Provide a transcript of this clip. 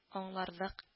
Аңларлык